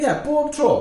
Ie, bob tro.